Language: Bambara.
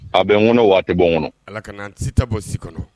A bɛ n kɔnɔ waati bɔn kɔnɔ ala kana sita bɔ si kɔnɔ